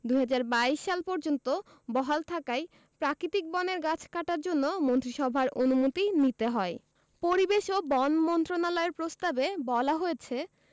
২০২২ সাল পর্যন্ত বহাল থাকায় প্রাকৃতিক বনের গাছ কাটার জন্য মন্ত্রিসভার অনুমতি নিতে হয় পরিবেশ ও বন মন্ত্রণালয়ের প্রস্তাবে বলা হয়েছে